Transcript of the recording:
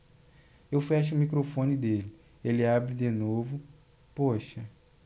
eu fecho o microfone dele ele abre de novo poxa